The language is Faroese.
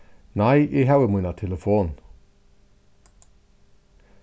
nei eg havi mína telefon